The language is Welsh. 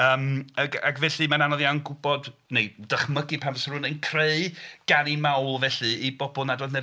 Yym ac ac felly ma'n anodd iawn gwbod neu dychmygu pan fysa rhywun yn creu canu mawl felly i bobl nad oedd neb yn...